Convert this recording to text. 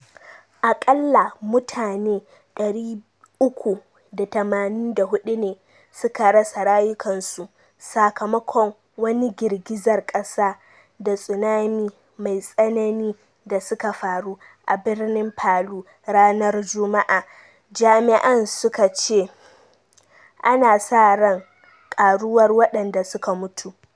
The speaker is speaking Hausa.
Akalla mutane 384 ne suka rasa rayukansu sakamakon wani girgizar kasa da tsunami mai tsanani da suka faru a birnin Palu ranar Juma’a, Jami'an suka ce, ana sa ran karuwar waɗanda suka mutu.